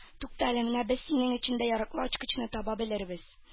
Туктале, менә без синең өчен дә яраклы ачкычны таба белербез